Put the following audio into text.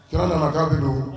Jara nanakaw bɛ don